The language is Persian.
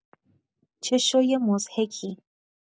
چه شوی مضحکی